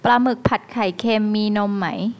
ปลาหมึกผัดไข่เค็มมีนมไหม